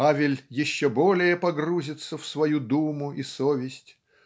Авель еще более погрузится в свою думу и совесть